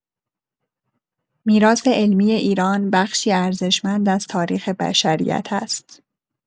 میراث علمی ایران بخشی ارزشمند از تاریخ بشریت است.